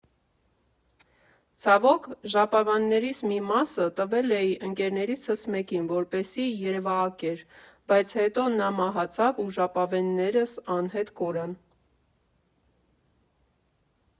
Ցավոք, ժապավեններիս մի մեծ մաս տվել էի ընկերներիցս մեկին, որպեսզի երևակեր, բայց հետո նա մահացավ ու ժապավեններս անհետ կորան։